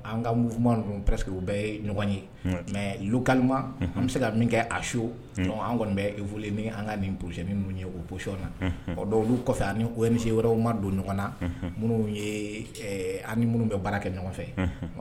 An ka mu p quew bɛɛ ye ɲɔgɔn ye mɛ kama an bɛ se ka min kɛ a so an kɔni bɛ min an ka ninurusi minnu ye o boyɔn na o don olu kɔfɛ ani wɛrɛw ma don ɲɔgɔn na minnu ye an minnu bɛ baara kɛ ɲɔgɔn fɛ